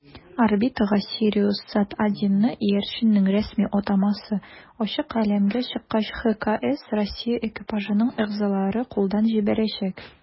Орбитага "СириусСат-1"ны (иярченнең рәсми атамасы) ачык галәмгә чыккач ХКС Россия экипажының әгъзалары кулдан җибәрәчәк.